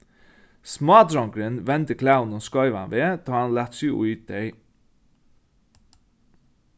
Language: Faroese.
smádrongurin vendi klæðunum skeivan veg tá hann læt seg í tey